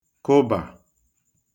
kụbà